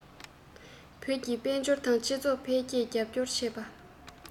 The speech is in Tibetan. མཉམ འདྲེས བཅས ཡོང རྒྱུར སྐུལ མ བཏང བ དང